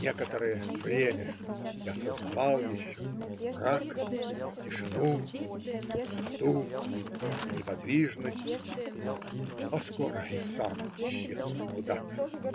некоторое время я сознавал еще мрак, тишину, пустоту и неподвижность, а скоро и сам исчез куда-то.